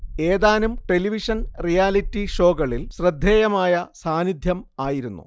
ഏതാനും television‍ reality ഷോകളിൽ ശ്രദ്ധേയമായ സാന്നിദ്ധ്യം ആയിരുന്നു